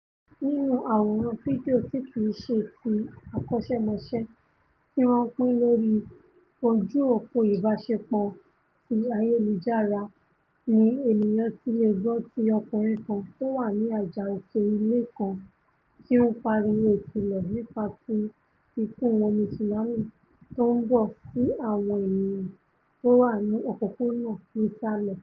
Nínú àwòrán fídíò tí kìí ṣe ti akọṣẹ́mọṣẹ́ tíwọn pín lórì ojú-òpò ìbáṣepọ̀ ti ayélujára ni ènìyàn ti leè gbọ́ ti ọkùnrin kan tówà ní àjà òkè ilé kan ti ń pariwo ìkìlọ̀ nípa ti ìkún-omi tsunami tó ńbọ̀ sí àwọn ènìyàn tówà ní òpópóna nísàlẹ̀.